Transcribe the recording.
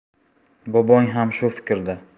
bobong ham shu fikrda